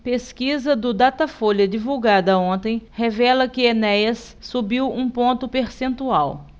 pesquisa do datafolha divulgada ontem revela que enéas subiu um ponto percentual